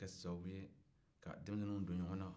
u be kɛ sababu ye ka denmisɛnw don ɲɔgɔnna